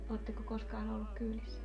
oletteko koskaan ollut kyydissä